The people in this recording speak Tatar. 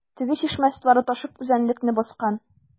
Теге чишмә сулары ташып үзәнлекне баскан.